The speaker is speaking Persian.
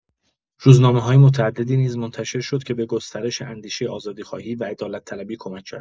روزنامه‌های متعددی نیز منتشر شد که به گسترش اندیشه آزادی‌خواهی و عدالت‌طلبی کمک کرد.